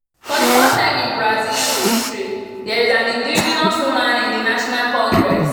For the first time in Brazil's history, there is an indigenous woman in the National Congress